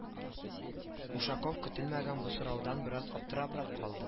Ушаков көтелмәгән бу сораудан бераз аптырабрак калды